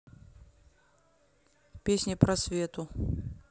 песни про свету